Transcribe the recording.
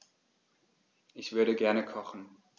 Ich würde gerne kochen.